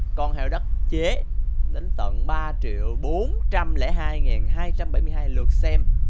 con heo đất chế đến tận ba triệu bốn trăm lẻ hai ngàn hai trăm bảy mươi hai lượt xem